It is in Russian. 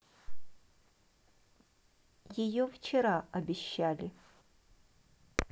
ее вчера обещали